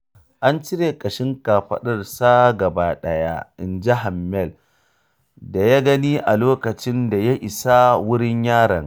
An cire kashin ƙafaɗarsa gaba ɗaya,” inji Hammel da ya gani a lokacin da ya isa wurin yaron.